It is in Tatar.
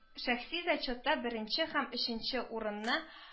Шәхси зачетта беренче һәм өченче урыннарны